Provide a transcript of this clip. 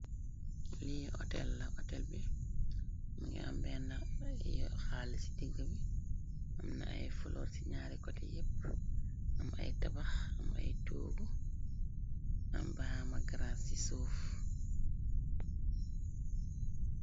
Lii otella hotel bi ngi ambeena yu xaal ci digg bi amna ay floor ci ñaare kote yépp am ay tabax am ay toogu ambaama graas ci suuf.